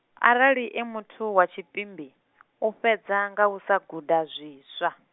arali e muthu wa tshipimbi, u fhedza nga u sa guda zwiswa.